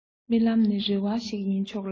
རྨི ལམ ནི རེ བ ཞིག ཡིན ཆོག ལ